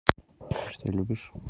ты что любишь